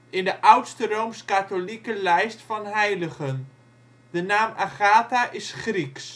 in de oudste Rooms-katholieke lijst van heiligen. De naam Agatha is Grieks